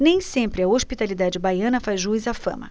nem sempre a hospitalidade baiana faz jus à fama